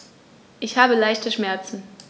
Ich habe leichte Schmerzen.